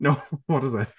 No <chwerthin? what was it?